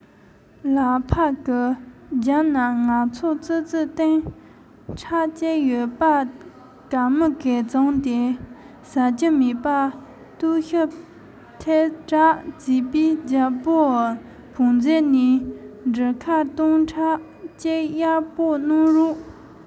དེ ལ འཇག མས ཡུ བ བྱས ཏེ ཐ མ སྒམ ཙིག གསུམ འཐེན ནས རྒྱལ པོ རིན པོ ཆེ ཐུགས རྗེས གཟིགས